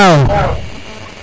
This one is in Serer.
waaw